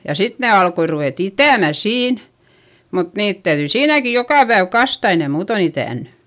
ja sitten ne alkoi ruveta itämään siinä mutta niitä täytyi siinäkin joka päivä kastaa ei ne muuten itänyt